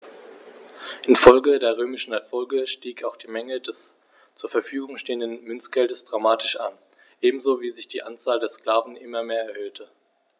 Infolge der römischen Erfolge stieg auch die Menge des zur Verfügung stehenden Münzgeldes dramatisch an, ebenso wie sich die Anzahl der Sklaven immer mehr erhöhte.